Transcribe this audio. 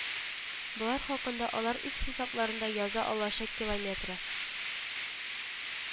Болар хакында алар үз хисапларында яза алачакилометры